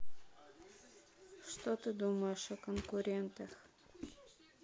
что ты думаешь о конкурентах